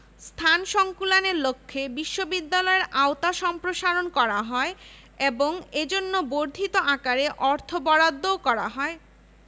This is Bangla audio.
স্থান সংকুলানের লক্ষ্যে বিশ্ববিদ্যালয়ের আওতা সম্প্রসারণ করা হয় এবং এজন্য বর্ধিত আকারে অর্থ বরাদ্দও করা হয়